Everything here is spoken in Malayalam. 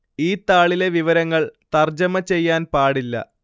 ഈ താളിലെ വിവരങ്ങൾ തർജ്ജമ ചെയ്യാൻ പാടില്ല